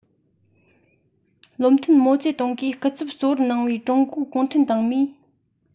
བློ མཐུན མའོ ཙེ ཏུང གིས སྐུ ཚབ གཙོ བོར གནང བའི ཀྲུང གོའི གུང ཁྲན ཏང མིས